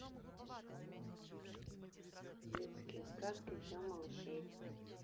детские сказки для малышей